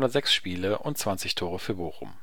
306 Spiele und 20 Tore für Bochum